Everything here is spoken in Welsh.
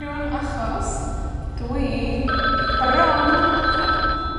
rŵan, achos dwi bron adra.